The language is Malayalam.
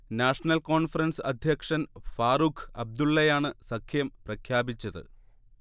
നാഷണൽ കോൺഫറൻസ് അധ്യക്ഷൻ ഫാറൂഖ് അബ്ദുള്ളയാണ് സഖ്യം പ്രഖ്യാപിച്ചത്